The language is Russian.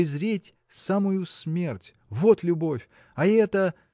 презреть самую смерть – вот любовь! а эта.